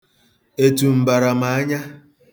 Etum bara m n'anya.